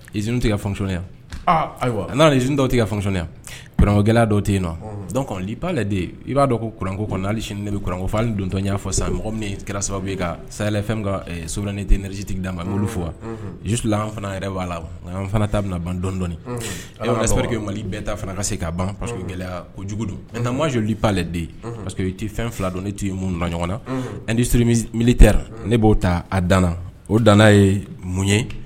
Z tɛ kaya ayiwa n' z dɔw tigɛ kaoniya kkokɛlaya dɔw tɛ yen nɔnli'a i b'a dɔn ko k kɔnɔ hali sini ne bɛ kurankɔ' hali dontɔn y'a fɔ sa mɔgɔ min kɛra sababu ye ka saya fɛn sɛbɛnnen tɛ neztigi da ma'olu fɔ wa an fana yɛrɛ' la nka fana ta bɛna ban dɔndɔɔni a sababurike mali bɛɛ ta fana ka se k'a ban gɛlɛya o jugudu na makanzoli'alɛden paseke tɛ fɛn fila don ne t'i mun na ɲɔgɔn na n'i s mili tɛ ne b'o ta a danana o dan ye mun ye